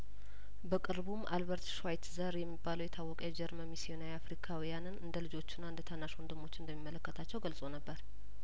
በቅርቡም አልበርት ሸዋይት ዘር የሚባለው የታወቀው የጀርመን ሚስዮናዊ አፍሪካውያንን እንደልጆቹና እንደታናሽ ወንድሞቹ እንደሚመለከታቸው ገልጾ ነበር